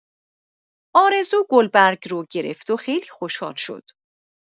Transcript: آرزو گلبرگ رو گرفت و خیلی خوشحال شد.